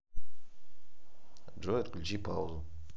джой отключи паузу